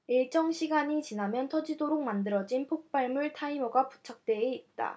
일정 시간이 지나면 터지도록 만들어진 폭발물 타이머가 부착돼 있다